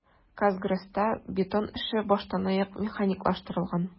"казгрэс"та бетон эше баштанаяк механикалаштырылган.